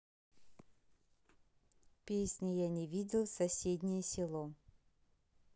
песня я не видел в соседнее село